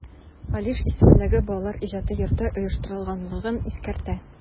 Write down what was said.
Алиш исемендәге Балалар иҗаты йорты оештырганлыгын искәртә.